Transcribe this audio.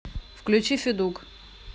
включи федук